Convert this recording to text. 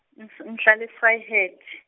n- ngihlala Vryheid.